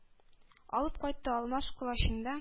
Алып кайтты алмаз кылычында